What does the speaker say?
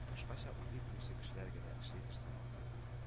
Башкача уйлый белүче кешеләр генә эшлидер сыман тоела